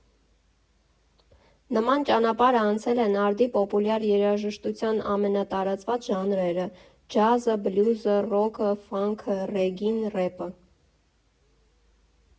Նման ճանապարհ անցել են արդի պոպուլյար երաժշտության ամենատարածված ժանրերը՝ ջազը, բլյուզը, ռոքը, ֆանքը, ռեգին, ռեփը։